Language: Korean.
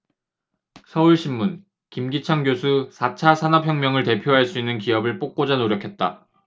서울신문 김기찬 교수 사 차 산업혁명을 대표할 수 있는 기업을 뽑고자 노력했다